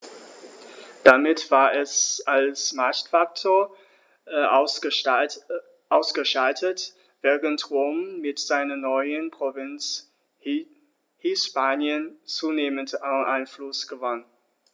Damit war es als Machtfaktor ausgeschaltet, während Rom mit seiner neuen Provinz Hispanien zunehmend an Einfluss gewann.